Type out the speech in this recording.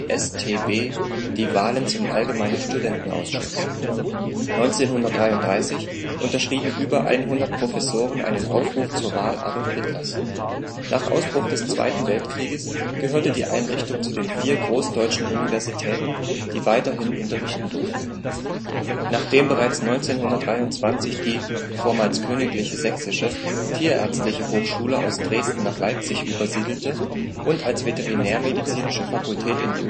NSDStB) die Wahlen zum Allgemeinen Studentenausschuss. 1933 unterschrieben über 100 Professoren einen Aufruf zur Wahl Adolf Hitlers. Nach Ausbruch des Zweiten Weltkrieges gehörte die Einrichtung zu den vier „ großdeutschen “Universitäten, die weiterhin unterrichten durften. Anatomievorlesung im Hörsaal der Karl-Marx-Universität ehemaliges Uni-Hochhaus, davor der Große Sendesaal des MDR, rechts im Vordergrund das ehemalige Hauptgebäude der Universität, das bis 2009 durch ein neues Gebäude ersetzt wird. Pathologie des Universitätsklinikums Nachdem bereits 1923 die (vormals Königliche Sächsische) Tierärztliche Hochschule aus Dresden nach Leipzig übersiedelte und als Veterinärmedizinische Fakultät in die